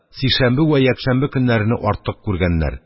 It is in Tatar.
Сишәмбе вә якшәмбе көннәрне артык күргәннәр.